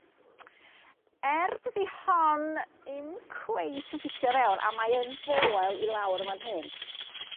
Er dydi hon 'im cweit yn ffitio fewn a mae yn foel i lawr y' fan hyn